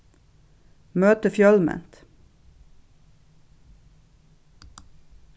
møtið fjølment